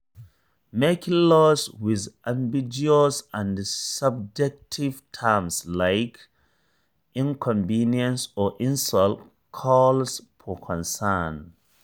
Making laws with ambiguous and subjective terms like "inconvenience" or "insult" calls for concern.